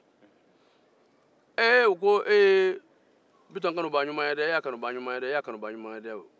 u ko e ye bitɔn kanubaa ɲuman ye dɛ